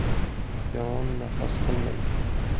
yomon nafas qilmang